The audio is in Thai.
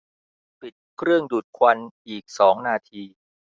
ปิดเครื่องดูดควันอีกสองนาที